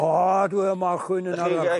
O dwi'n meddwl ma'r chwyn yn ardderchog.